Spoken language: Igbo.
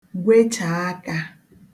gwechàa akā